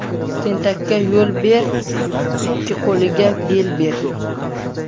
tentakka yo'l ber ikki qo'liga bel ber